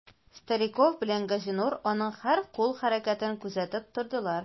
Гадәттә, ул күзәнәкнең үзәгендә урнаша.